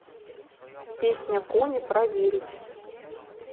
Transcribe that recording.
песня кони проверить